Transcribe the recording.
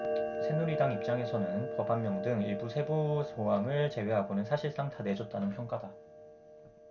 새누리당 입장에서는 법안명 등 일부 세부조항을 제외하고는 사실상 다 내줬다는 평가다